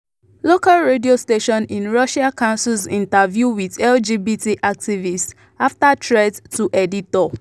Local radio station in Russia cancels interview with LGBT activists after threats to editor